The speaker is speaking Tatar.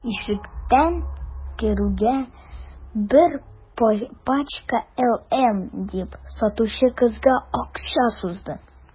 Ишектән керүгә: – Бер пачка «LM»,– дип, сатучы кызга акча сузды.